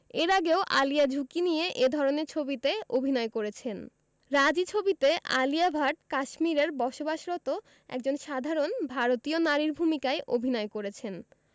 এর আগেও আলিয়া ঝুঁকি নিয়ে এ ধরনের ছবিতে অভিনয় করেছেন রাজী ছবিতে আলিয়া ভাট কাশ্মীরে বসবাসরত একজন সাধারন ভারতীয় নারীর ভূমিকায় অভিনয় করেছেন